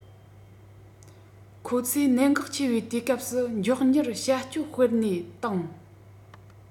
ཁོ ཚོས གནད འགག ཆེ བའི དུས སྐབས སུ མགྱོགས མྱུར བྱ སྤྱོད སྤེལ ནས དང